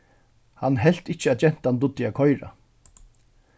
hann helt ikki at gentan dugdi at koyra